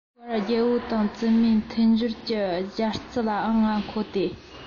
བར རྒྱལ པོ དང བཙུན མོའི མཐུན སྦྱོར གྱི སྦྱར རྩི ལའང ང མཁོ སྟེ